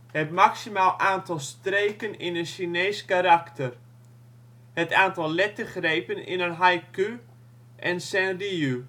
Het maximaal aantal streken in een Chinees karakter. Het aantal lettergrepen in een haiku en senryu